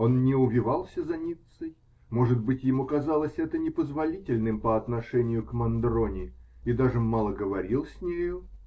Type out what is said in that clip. Он не увивался за Ниццой -- может быть, ему казалось это непозволительным по отношению к Мандрони -- и даже мало говорил с нею